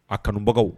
A kanubagaw